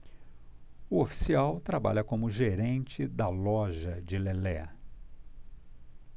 o oficial trabalha como gerente da loja de lelé